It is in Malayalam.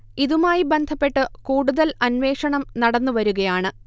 ഇതുമായി ബന്ധപ്പെട്ട് കൂടുതൽ അന്വഷണം നടന്ന് വരുകയാണ്